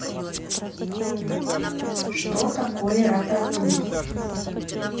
что такое рататуй